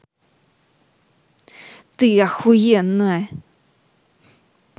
ты охуенно